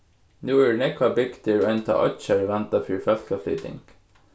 nú eru nógvar bygdir og enntá oyggjar í vanda fyri fólkaflyting